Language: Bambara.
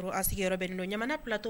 Ɔ a sigiyɔrɔ bɛnnen don ɲamana plateau